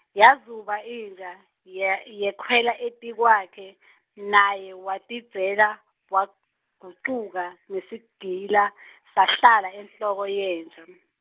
Yazuba inja, y- yekhwela etikwakhe, naye watidzela, wagucuka ngesagila , sahlala enhloko yenja.